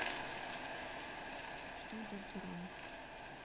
что едят герои